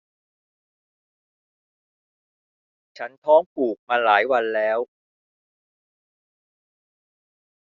ฉันท้องผูกมาหลายวันแล้ว